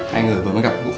hai người vừa mới gặp